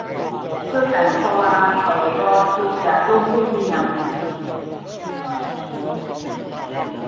คือกัน เพราะว่าข้อยบ่คิดจะลงทุนอิหยัง